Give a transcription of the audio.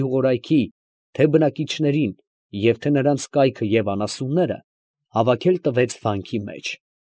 Գյուղորայքի թե՛ բնակիչներին և թե՛ նրանց կայքը ու անասունները հավաքել տվեց վանքի մեջ։